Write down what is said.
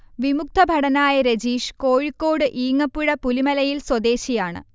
വിമുക്ത ഭടനായ രജീഷ് കോഴിക്കോട് ഈങ്ങപ്പുഴ പുലിമലയിൽ സ്വദേശിയാണ്